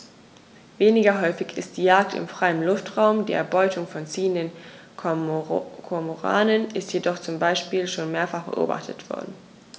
Weniger häufig ist die Jagd im freien Luftraum; die Erbeutung von ziehenden Kormoranen ist jedoch zum Beispiel schon mehrfach beobachtet worden.